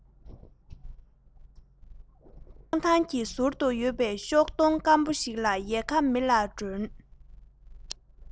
སྤང ཐང གི ཟུར དུ ཡོད པའི ཤུག སྡོང སྐམ པོ ཞིག གི ཡལ ག མེ ལ སྒྲོན